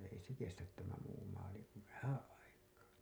ei se kestä tämä muu maali kuin vähän aikaa